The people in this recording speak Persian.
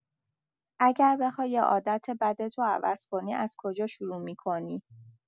اگه بخوای یه عادت بدتو عوض کنی، از کجا شروع می‌کنی؟